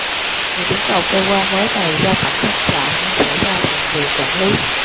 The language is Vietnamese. người đứng đầu cơ quan mới này do tổng thống chọn nhưng sẽ do thượng viện quản lý